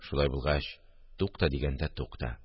– шулай булгач, тукта дигәндә тукта